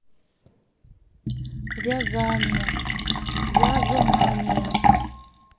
вязание вязомания